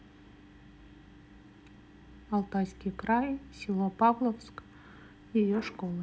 алтайский край село павловск ее школы